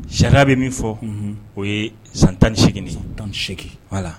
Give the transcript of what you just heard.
Sariya bɛ min fɔ o ye san tan ni seg tan seg wala la